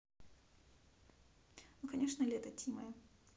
ну конечно лето timaya